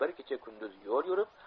bir kecha kunduz yo'l yurib